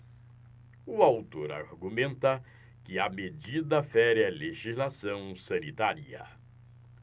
o autor argumenta que a medida fere a legislação sanitária